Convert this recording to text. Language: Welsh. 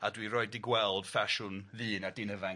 a dwi 'roid 'di gweld ffasiwn ddyn a dyn ifanc...